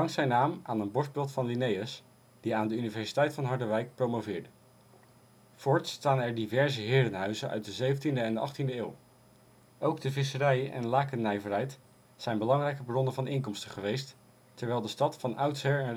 zijn naam aan een borstbeeld van Linnaeus, die aan de universiteit van Harderwijk (1647-1811) promoveerde. Voorts staan er diverse herenhuizen uit de 17de en 18de eeuw. Ook de visserij en lakennijverheid zijn belangrijke bronnen van inkomsten geweest, terwijl de stad van oudsher